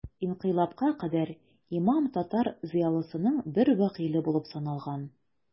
Инкыйлабка кадәр имам татар зыялысының бер вәкиле булып саналган.